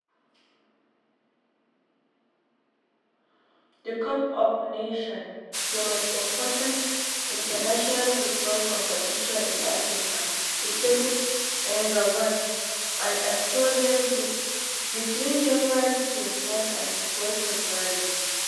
The Cup of Nations, the most important international football competition in Africa, is taking place in Gabon and Equatorial Guinea between January 21 and 12 February.